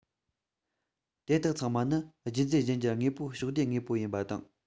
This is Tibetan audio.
དེ དག ཚང མ ནི རྒྱུད འཛིན གཞན འགྱུར མང པོའི ཕྱོགས བསྡུས དངོས པོ ཡིན པ དང